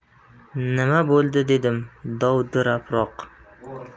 nima bo'ldi dedim dovdirabroq